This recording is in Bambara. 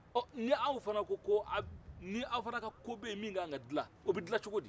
ɔ n'aw fɛnɛ ko ko a b n''aw fɛnɛ ka ko bɛ ye min kan ka dilan o bɛ dilan cogo di